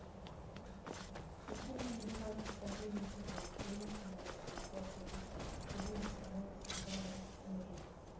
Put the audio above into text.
так ты мне не враг с тобой не дружу я твой личный маньяк я тебя придушу ты будешь со мной всегда мне не жить